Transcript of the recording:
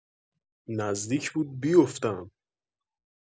نزدیک بود بیفتم.